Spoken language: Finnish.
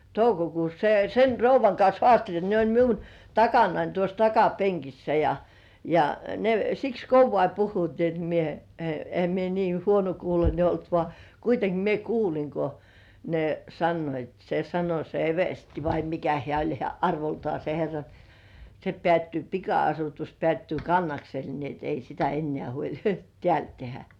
toukokuussa se sen rouvan kanssa haasteli ne oli minun takanani tuossa takapenkissä ja ja ne siksi kovaa puhuivat niin että minä - enhän minä niin huonokuuloinen ollut vaan kuitenkin minä kuulin kun ne sanoivat se sanoi se eversti vai mikä hän oli hän arvoltaan se herra niin se päättyy pika-asutus päättyy Kannaksella niin että ei sitä enää huoli täällä tehdä